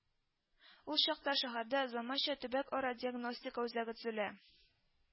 Ул чакта шәһәрдә заманча төбәк-ара диагностика үзәге төзелә